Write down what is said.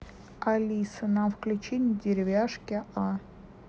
алиса нам включи не деревяшки а